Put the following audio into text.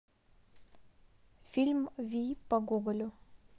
фильм вий по гоголю